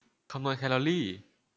คำนวณแคลอรี่